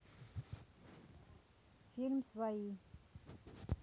фильм свои